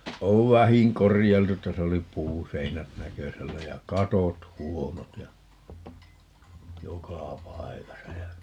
on vähin korjailtu tässä oli puuseinät näkösällä ja katot huonot ja joka paikassa ja